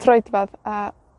troedfadd, a